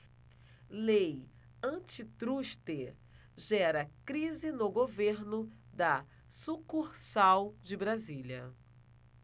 lei antitruste gera crise no governo da sucursal de brasília